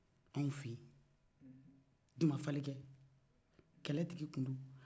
anw fɛ yen duma falikɛ kɛlɛ tigi tun do